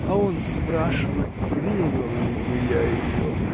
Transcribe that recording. А он спрашивает, принял ли бы я ее!